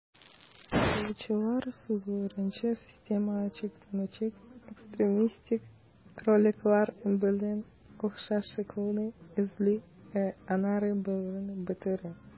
Ясаучылар сүзләренчә, система ачыктан-ачык экстремистик роликлар белән охшашлыкны эзли, ә аннары аларны бетерә.